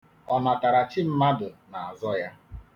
Ọnatarachi mmadụ na-azọ ya ndụ.